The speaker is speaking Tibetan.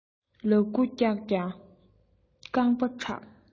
ལུ གུ རྒྱགས ཀྱང རྐང མར ཁྲག